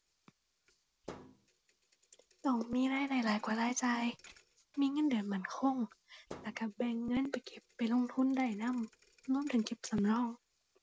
ต้องมีรายได้หลายกว่ารายจ่าย มีเงินเดือนมั่นคง แล้วก็แบ่งเงินไปเก็บ ไปลงทุนได้นำ รวมถึงเก็บสำรอง